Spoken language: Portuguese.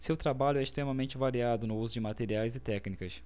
seu trabalho é extremamente variado no uso de materiais e técnicas